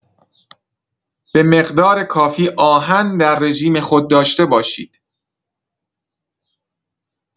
به مقدار کافی آهن در رژیم خود داشته باشید.